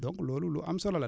donc loolu lu am solo la